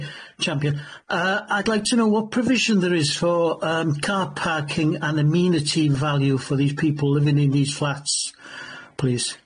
Champion. Yy I'd like to know what provision there is for yym car parking and amenity in value for these people living in these flats please.